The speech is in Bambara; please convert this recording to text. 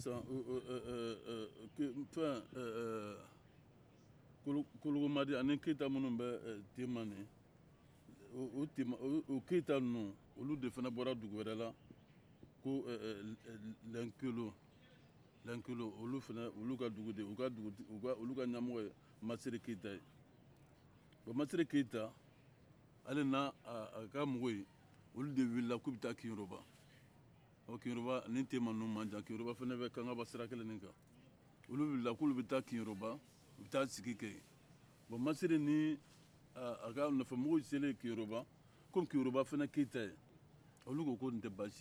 kologo kologomadi ani keita minnu bɛ tema nin o tema o keita ninnu olu de fana bɔra dugu wɛrɛ la ko eee lɛnkelo lɛnkelo olu fama olu ka dugu de ye o ka dugutigi olu ka ɲɛmɔgɔ ye masire keyita ye o masire keyita ale n'an a ka mɔgɔw olu de wulila k'o bɛ taa keyoroba ɔ keyoroba ani tema ninnu man jan keyoroba fana bɛ kangaba siraba kelen de kan olu wulila k'olu bɛ taa keyoroba u bɛ taa sigi kɛ yen aaa a ka nɔfɛmɔgɔw selen keyoroba kɔmi keyoroba fana ye keyita ye olu ko ko nin tɛ baasi ye